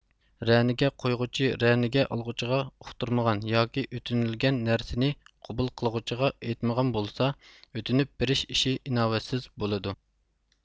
رەنىگە قويغۇچى رەنىگە ئالغۇچىغا ئۇقتۇرمىغان ياكى ئۆتۈنۈلگەن نەرسىنى قوبۇل قىلغۇچىغا ئېيتمىغان بولسا ئۆتۈنۈپ بېرىش ئىشى ئىناۋەتسىز بولىدۇ